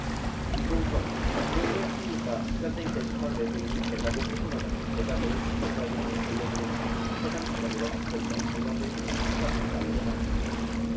유종헌안녕들 하십니까 시작된 게시판 외부인이 대자보 훼손하다니대자보를 작성자에게 다시 돌려주고 나니 해당 대자보가 붙어있던 정경대 후문은 한바탕 난리가 나 있었다